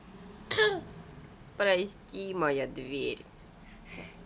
прости моя дверь